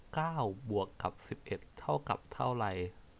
เก้าบวกกับสิบเอ็ดเท่ากับเท่าไร